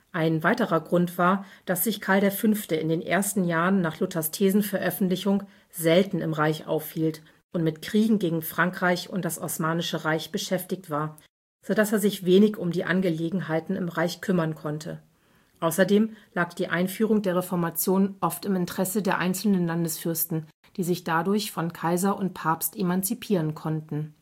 Ein weiterer Grund war, dass sich Karl V. in den ersten Jahren nach Luthers Thesenveröffentlichung selten im Reich aufhielt und mit Kriegen gegen Frankreich und das Osmanische Reich beschäftigt war, so dass er sich wenig um die Angelegenheiten im Reich kümmern konnte. Außerdem lag die Einführung der Reformation oft im Interesse der einzelnen Landesfürsten, die sich dadurch von Kaiser und Papst emanzipieren konnten